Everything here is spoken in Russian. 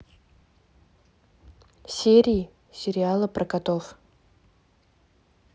серии сериала про котов